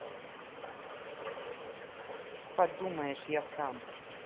подумаешь я сам